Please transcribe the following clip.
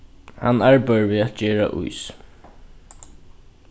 hann arbeiðir við at gera ís